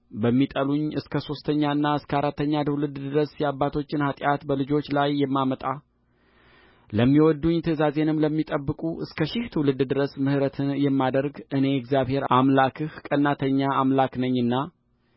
በሚጠሉኝ እስከ ሦስተኛና እስከ አራተኛ ትውልድ ድረስ የአባቶችን ኃጢአት በልጆች ላይ የማመጣ ለሚወድዱኝ ትእዛዜንም ለሚጠብቁ እስከ ሺህ ትውልድ ድረስ ምሕረትን የማደርግ እኔ እግዚአብሔር አምላክህ ቀናተኛ አምላክ ነኛና